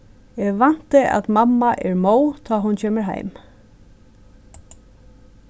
eg vænti at mamma er móð tá hon kemur heim